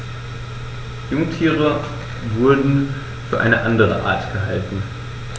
Jungtiere wurden für eine andere Art gehalten.